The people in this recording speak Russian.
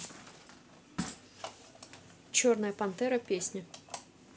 черная пантера песня